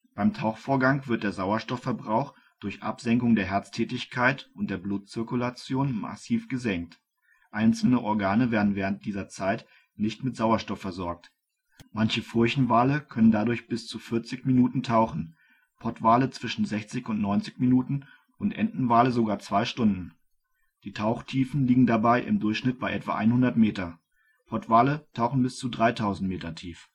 Beim Tauchvorgang wird der Sauerstoffverbrauch durch Absenkung der Herztätigkeit und der Blutzirkulation massiv gesenkt, einzelne Organe werden während dieser Zeit nicht mit Sauerstoff versorgt. Manche Furchenwale können dadurch bis zu 40 Minuten tauchen, Pottwale zwischen 60 und 90 Minuten und Entenwale sogar zwei Stunden. Die Tauchtiefen liegen dabei im Durchschnitt bei etwa 100 Meter, Pottwale tauchen bis zu 3.000 Meter tief